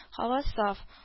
Һава саф